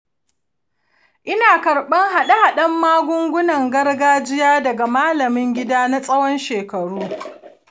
ina karɓar haɗe-haɗen magungunan gargajiya daga malamin gida na tsawon shekaru